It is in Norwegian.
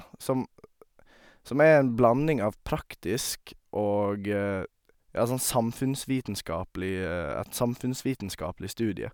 som Som er en blanding av praktisk og, ja, sånn samfunnsvitenskapelig et samfunnsvitenskapelig studie.